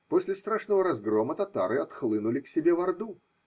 После страшного разгрома татары отхлынули к себе в орду